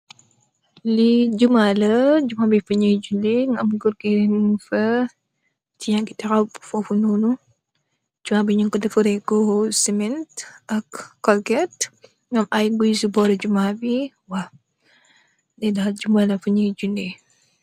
Lii jamàa lah. jamàa bi nun julli, nga am góor nun fa. Teh Yangi tahaw fofu nonu, Jamaa bi nun kor defray cement ak concrete Nga am géej bi c burr jamaa bi. Lii dal jamaa bu nun jullai lah